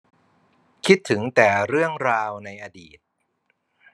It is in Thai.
คิดถึงแต่เรื่องราวในอดีต